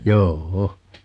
joo